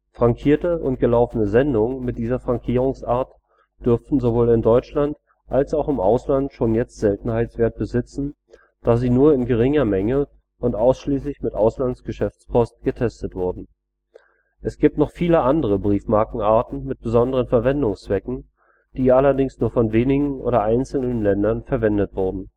Frankierte und gelaufene Sendungen mit dieser Frankierungsart dürften sowohl in Deutschland als auch im Ausland schon jetzt Seltenheitswert besitzen, da sie nur in geringer Menge und ausschließlich mit Auslands-Geschäftspost getestet wurden. Es gibt noch viele andere Briefmarkenarten mit besonderen Verwendungszwecken, die allerdings nur von wenigen oder einzelnen Ländern verwendet wurden